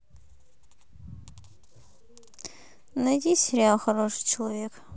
найди сериал хороший человек